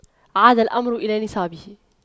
عاد الأمر إلى نصابه